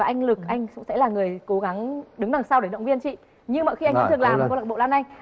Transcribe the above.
và anh lực anh sẽ là người cố gắng đứng đằng sau để động viên chị như mọi khi anh đã từng làm cho câu lạc bộ lan anh